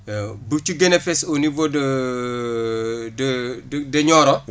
bu ci gën a fës au niveau de de de Nioro